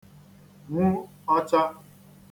nwu ọchā